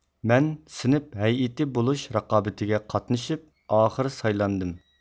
مەن سىنىپ ھەيئىتى بولۇش رىقابىتىگە قاتىنىشپ ئاخىر سايلاندىم